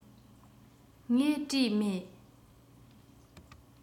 ངས བྲིས མེད